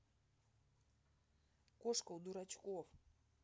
кошка у дурачков